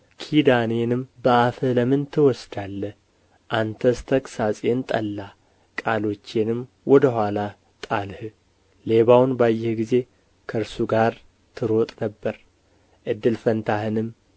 ኪዳኔንም በአፍህ ለምን ትወስዳለህ አንተስ ተግሣጼን ጠላህ ቃሎቼንም ወደ ኋላህ ጣልህ ሌባውን ባየህ ጊዜ ከእርሱ ጋር ትሮጥ ነበር እድል ፈንታህንም